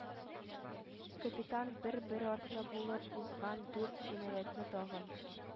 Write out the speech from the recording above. Капитан бер-бер артлы булып узган дүрт җинаятьне тагын